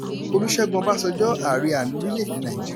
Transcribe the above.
Olúṣẹ́gun Ọbásanjọ́, Ààrẹ àná orílẹ̀-èdè Nàìjíríà.